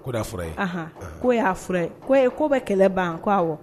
Koan ko y'a ko ko bɛ kɛlɛ ban